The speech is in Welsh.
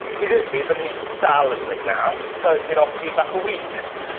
I ddweud y gwir byddwn i dal yn dweud na 'c'os fi'n offi bach o weed.